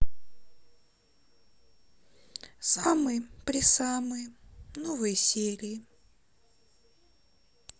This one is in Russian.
самые пресамые новые серии